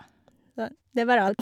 Så, det var alt.